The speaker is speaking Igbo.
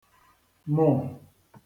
-mụ